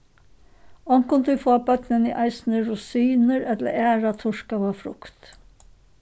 onkuntíð fáa børnini eisini rosinur ella aðra turkaða frukt